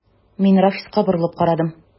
Мин Рафиска борылып карадым.